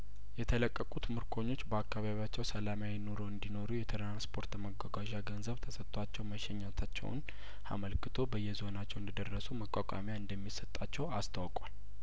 የተለቀቁት ምርኮኞች በአካባቢያቸው ሰላማዊ ኑሮ እንዲኖሩ የትራንስፖርት መጓጓዣ ገንዘብ ተሰጥቷቸው መሸኘታቸውን አመልክቶ በየዞ ናቸው እንደደረሱ መቋቋሚያ እንደሚ ሰጣቸው አስታውቋል